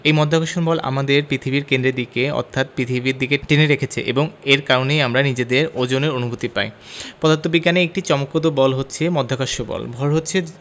এই মাধ্যাকর্ষণ বল আমাদের পৃথিবীর কেন্দ্রের দিকে অর্থাৎ নিচের দিকে টেনে রেখেছে এবং এর কারণেই আমরা নিজেদের ওজনের অনুভূতি পাই পদার্থবিজ্ঞানের একটি চমকপ্রদ বল হচ্ছে মহাকর্ষ বল ভর আছে